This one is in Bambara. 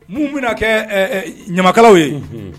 Mun bɛna kɛ ɲamakalaw ye